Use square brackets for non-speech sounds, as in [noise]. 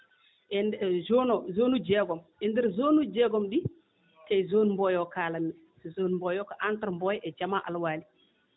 en [hesitation] zone o zone uji jeegom e ndeer zone uji jeegom ɗii ko e zone Mboyo o kaalatmi e zone ko entre e Jamaa Alwali